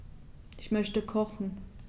Ich möchte kochen.